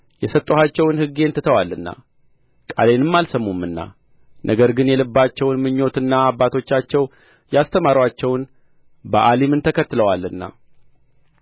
የሰጠኋቸውን ሕጌን ትተዋልና ቃሌንም አልሰሙምና ነገር ግን የልባቸውን ምኞትና አባቶቻቸው ያስተማሩአቸውን በኣሊምን ተከትለዋልና